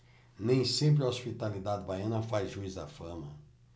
nem sempre a hospitalidade baiana faz jus à fama